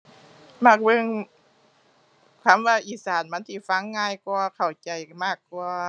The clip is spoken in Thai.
มักเบิ่ง คำว่าอีสานมันสิฟังง่ายกว่าเข้าใจมากกว่า